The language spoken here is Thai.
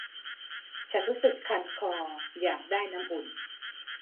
ฉันรู้สึกคันคออยากได้น้ำอุ่น